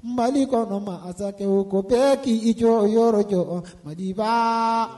Mali kɔnɔ ma masakɛ ko bɛɛ k'i i jɔyɔrɔ jɔ madifa